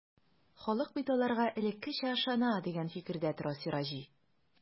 Халык бит аларга элеккечә ышана, дигән фикердә тора Сираҗи.